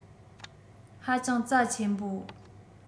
ཧ ཅང རྩ ཆེན པོ